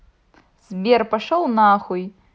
сбер пошел на хуй